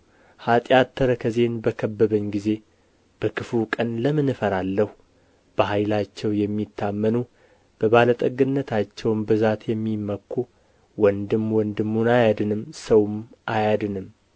ኃጢአት ተረከዜን በከበበኝ ጊዜ በክፉ ቀን ለምን እፈራለሁ በኃይላቸው የሚታመኑ በባለጠግነታቸውም ብዛት የሚመኩ ወንድም ወንድሙን አያድንም ሰውም አያድንም